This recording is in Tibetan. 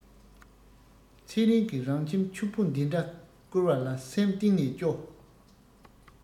ཚེ རིང གི རང ཁྱིམ ཕྱུག པོ འདི འདྲ བསྐུར བ ལ སེམས གཏིང ནས སྐྱོ